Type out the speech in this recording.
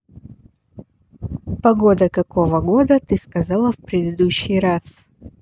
погода какого года ты сказала в предыдущий раз